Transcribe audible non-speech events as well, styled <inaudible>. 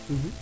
<hesitation> <hesitation>